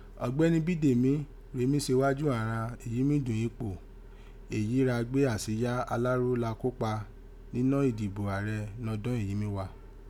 Ọgbẹni Bídèmí rèé mi sigwaju àghan èyí mí dùn ipo èyí ra gbà àsíyá Aláró la kopa ninọ́ idibò aarẹ nọdọ́n èyí mí wa.